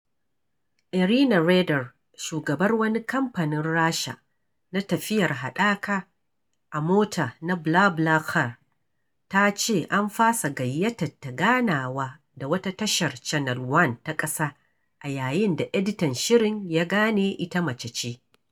Irina Reyder, shugabar wani kamfanin Rasha na tafiyar haɗaka a mota na BlaBlaCar, ta ce an fasa gayyatar ta ganawa da wata tashar Channel One ta ƙasa a yayin da editan shirin ya gane ita mace ce.